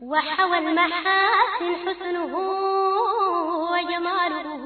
Walɔ wamududugu